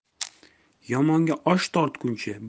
yomonga osh tortguncha